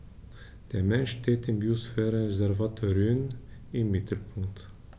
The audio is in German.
Der Mensch steht im Biosphärenreservat Rhön im Mittelpunkt.